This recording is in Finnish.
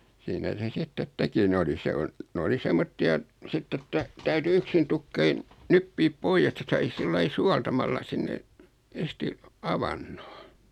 siinä se sitten teki ne oli se on ne oli semmoisia sitten että täytyi yksinä tukkeina nyppiä pois että sai sillä lailla suoltamalla sinne ensisti avannon